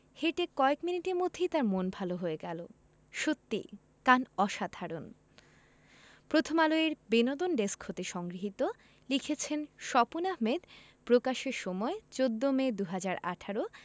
হেঁটে কয়েক মিনিটের মধ্যেই তার মন ভালো হয়ে গেল সত্যিই কান অসাধারণ প্রথমআলো এর বিনোদন ডেস্ক হতে সংগৃহীত লিখেছেনঃ স্বপন আহমেদ প্রকাশের সময় ১৪মে ২০১৮